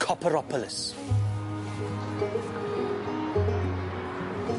Copperopolis.